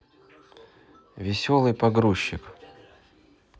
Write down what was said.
веселый погрузчик